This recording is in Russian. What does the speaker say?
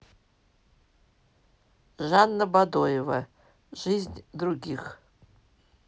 жанна бадоева жизнь других